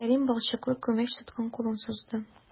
Кәрим балчыклы күмәч тоткан кулын сузды.